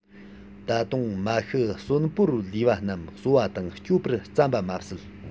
ད དུང མ ཤི གསོན པོར ལུས པ རྣམས གསོ བ དང སྐྱོབ པར བརྩམས པ མ ཟད